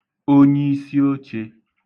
onyiisiochē